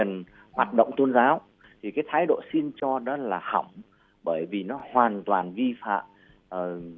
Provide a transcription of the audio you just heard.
quyền hoạt động tôn giáo thì cái thái độ xin cho đó là hỏng bởi vì nó hoàn toàn vi phạm ờ